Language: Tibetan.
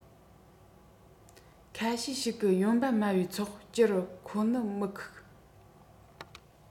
ཁ ཤས ཤིག གིས ཡོང འབབ དམའ བའི ཚོགས སྤྱིར ཁོ ནི མི ཁུགས